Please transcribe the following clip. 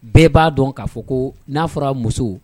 Bɛɛ b'a dɔn k'a fɔ ko n'a fɔra muso